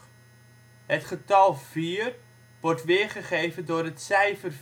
getal vier, wordt weergegeven door het cijfer